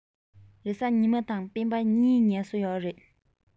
རེས གཟའ ཉི མ དང སྤེན པ གཉིས ཀར ངལ གསོ ཡོད རེད